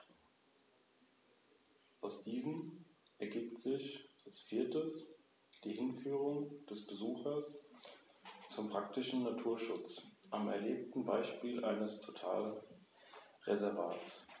In Anbetracht ihrer Größe bewegen sich Steinadler in der Luft außerordentlich wendig und schnell, so wurde mehrfach beobachtet, wie sich ein Steinadler im Flug auf den Rücken drehte und so zum Beispiel einen verfolgenden Kolkraben erbeutete.